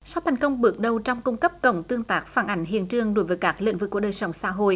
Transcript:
sau thành công bước đầu trong cung cấp cổng tương tác phản ảnh hiện trường đối với các lĩnh vực của đời sống xã hội